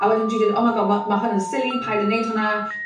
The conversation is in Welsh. A wedyn dwi'n deud oh my God ma' ma' hwnna'n silly. Paid a neud hwnna.